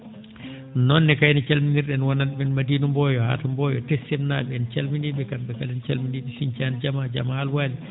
noon ne kayne calminir?en wonan?e men Madina Mboyo haa to Mboyo Teskel naa?e en calminii?e kam?e kala en calminii Sinthiane jaamah halwar